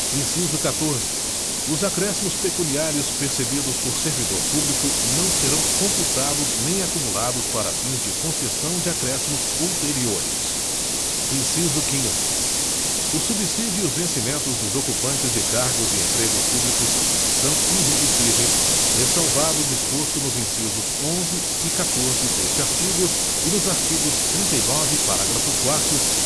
inciso catorze os acréscimos pecuniários percebidos por servidor público não serão computados nem acumulados para fins de concessão de acréscimos ulteriores inciso quinze o subsídio e os vencimentos dos ocupantes de cargos e empregos públicos são irredutíveis ressalvado o disposto nos incisos onze e catorze deste artigo e nos artigos trinta e nove parágrafo quarto